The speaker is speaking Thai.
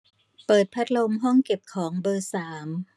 เปิดพัดลมห้องเก็บของเบอร์สาม